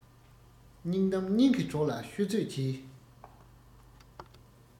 སྙིང གཏམ སྙིང གི གྲོགས ལ ཤོད ཚོད གྱིས